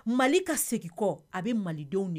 Mali ka segin kɔ a bɛ malidenw de